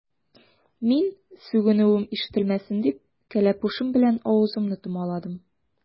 Мин, сүгенүем ишетелмәсен дип, кәләпүшем белән авызымны томаладым.